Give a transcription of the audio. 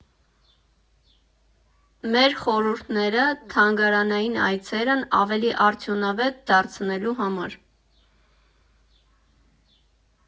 Մեր խորհուրդները՝ թանգարանային այցերն ավելի արդյունավետ դարձնելու համար։